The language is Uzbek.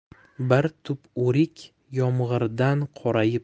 bir tup o'rik yomg'irdan qorayib